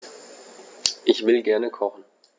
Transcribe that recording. Ich will gerne kochen.